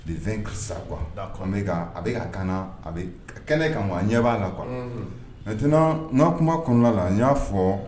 De ka da bɛ a bɛka ka kaana a bɛ kɛlɛ kama bɔ a ɲɛ b'a la kuwa mɛt n'a kuma kɔnɔna la n y'a fɔ